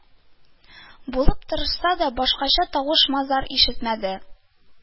Булып тырышса да, башкача тавыш-мазар ишетмәде